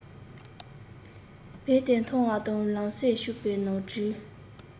བེའུ དེ མཐོང བ དང ལམ སེང ཕྱུ པའི ནང སྒྲིལ